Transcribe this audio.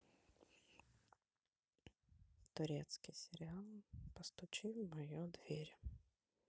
турецкий сериал постучи в мою дверь